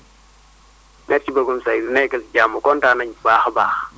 merci beaucoup Seydou nekkal si jàmm kontaan nañu bu baax a baax